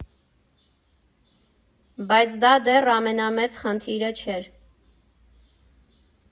Բայց դա դեռ ամենամեծ խնդիրը չէր։